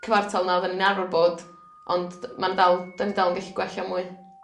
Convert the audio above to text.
cyfartal na oddan ni'n arfer bod ond d- ma'n dal 'dyn ni dal yn gellu gwella mwy.